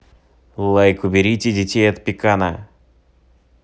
лайк уберите детей от пекана